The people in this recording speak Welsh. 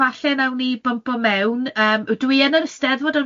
falle nawn ni bympo mewn yym ydw i yn yr Eisteddfod